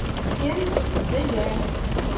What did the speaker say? Кем белә?